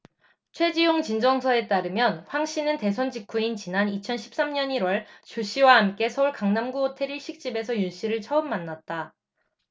최지용진정서에 따르면 황씨는 대선 직후인 지난 이천 십 삼 년 일 월 조씨와 함께 서울 강남구 호텔 일식집에서 윤씨를 처음 만났다